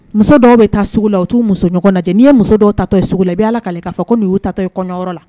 Muso dɔw bɛ taa sugu la u t'u muso ɲɔgɔn lajɛ n'i ye muso dɔw ta to i sugu la i bɛ' ala ka' k'a fɔ ko ninnu y'u tatɔ i kɔɲɔyɔrɔ la